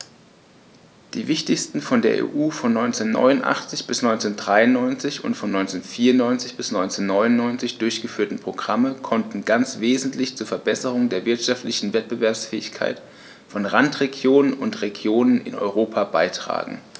Die wichtigsten von der EU von 1989 bis 1993 und von 1994 bis 1999 durchgeführten Programme konnten ganz wesentlich zur Verbesserung der wirtschaftlichen Wettbewerbsfähigkeit von Randregionen und Regionen in Europa beitragen.